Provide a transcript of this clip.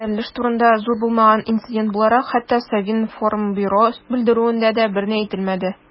Бу бәрелеш турында, зур булмаган инцидент буларак, хәтта Совинформбюро белдерүендә дә берни әйтелмәде.